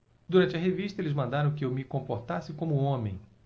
durante a revista eles mandaram que eu me comportasse como homem